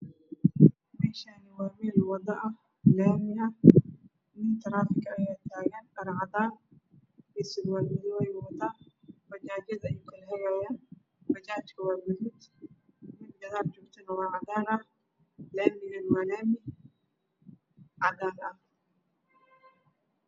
Meshani waa meel wado laami ah nin taraafiko aya tagan dhar cada iyo surwal madow ayu wata bajajda ayu kala hagaya bajajta waa gadud mid gadal jogtana waa cadaan lamigana waa laami cagar ah